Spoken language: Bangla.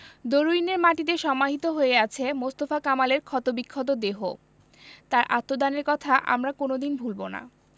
দরুইনের মাটিতে সমাহিত হয়ে আছে মোস্তফা কামালের ক্ষতবিক্ষত দেহ তাঁর আত্মদানের কথা আমরা কোনো দিন ভুলব না